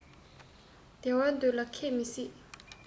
བདེ བར སྡོད ལ མཁས མི སྲིད